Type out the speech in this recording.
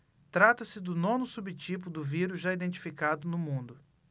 trata-se do nono subtipo do vírus já identificado no mundo